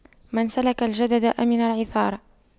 من سلك الجدد أمن العثار